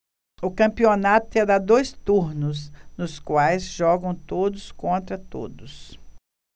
o campeonato terá dois turnos nos quais jogam todos contra todos